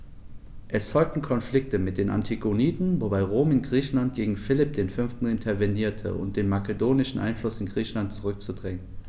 Es folgten Konflikte mit den Antigoniden, wobei Rom in Griechenland gegen Philipp V. intervenierte, um den makedonischen Einfluss in Griechenland zurückzudrängen.